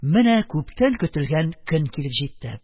Менә күптән көтелгән көн килеп җитте.